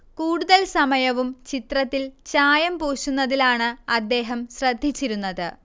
കൂടുതൽ സമയവും ചിത്രത്തിൽ ചായം പൂശുന്നതിലാണ് അദ്ദേഹം ശ്രദ്ധിച്ചിരുന്നത്